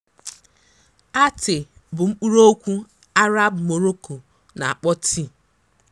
Atay bụ mkpụrụokwu Arab Morocco na-akpọ tii.